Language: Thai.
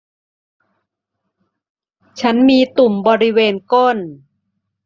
ฉันมีตุ่มบริเวณก้น